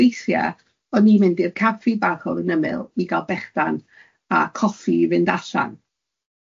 weithiau o'n i'n mynd i'r caffi bach o'dd yn ymyl i ga'l bechdan a coffi i fynd allan.